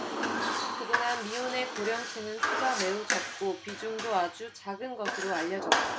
그동안 미혼의 고령층은 수가 매우 적고 비중도 아주 작은 것으로 알려졌다